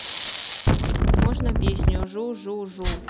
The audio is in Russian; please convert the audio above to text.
можно песню жу жу жу